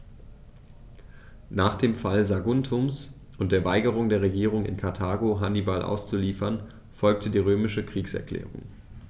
Nach dem Fall Saguntums und der Weigerung der Regierung in Karthago, Hannibal auszuliefern, folgte die römische Kriegserklärung.